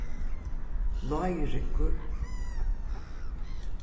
lágiryggur